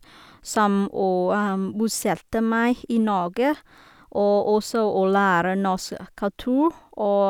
Som å bosette meg i Norge, og også å lære norsk kultur og vane og tradisjon.